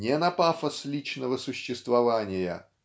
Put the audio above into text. не на пафос личного существования